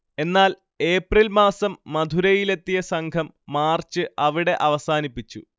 എന്നാൽ, ഏപ്രിൽ മാസം മഥുരയിലത്തെിയ സംഘം മാർച്ച് അവിടെ അവസാനിപ്പിച്ചു